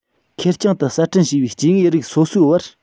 ཁེར རྐྱང དུ གསར སྐྲུན བྱས པའི སྐྱེ དངོས རིགས སོ སོའི བར